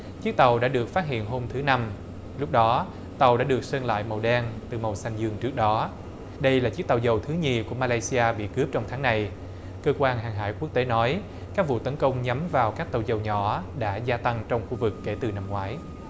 chiếc tàu đã được phát hiện hôm thứ năm lúc đó tàu đã được sơn lại màu đen từ màu xanh dương trước đó đây là chiếc tàu dầu thứ nhì của ma lay xi a bị cướp trong tháng này cơ quan hàng hải quốc tế nói các vụ tấn công nhắm vào các tàu dầu nhỏ đã gia tăng trong khu vực kể từ năm ngoái